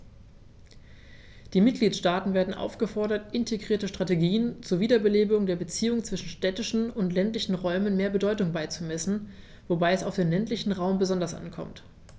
Die Mitgliedstaaten werden aufgefordert, integrierten Strategien zur Wiederbelebung der Beziehungen zwischen städtischen und ländlichen Räumen mehr Bedeutung beizumessen, wobei es auf den ländlichen Raum besonders ankommt.